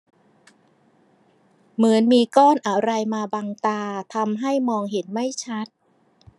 เหมือนมีก้อนอะไรมาบังตาทำให้มองเห็นไม่ชัด